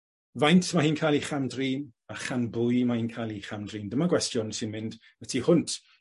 Faint ma' hi'n ca'l 'i cham-drin a chan bwy mae 'i'n ca'l 'i cham-drin? Dyma gwestiwn sy'n mynd y tu hwnt